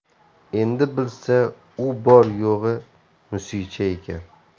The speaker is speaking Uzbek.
endi bilsa u bor yo'g'i musicha ekan